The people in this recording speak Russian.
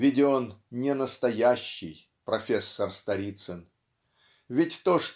Ведь он - не настоящий, профессор Сторицын. Ведь то